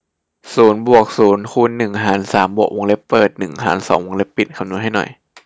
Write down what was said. ศูนย์บวกศูนย์คูณหนึ่งหารสามบวกวงเล็บเปิดหนึ่งหารสองวงเล็บปิดคำนวณให้หน่อย